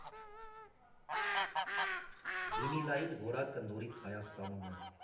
Վինիլային որակը նորից Հայաստանում է։